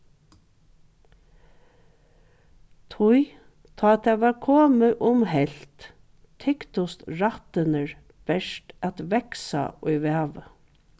tí tá tað var komið um helvt tyktust rættirnir bert at vaksa í vavi